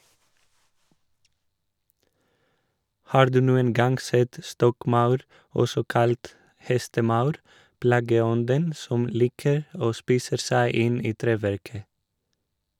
Har du noen gang sett stokkmaur, også kalt hestemaur, plageånden som liker å spise seg inn i treverket?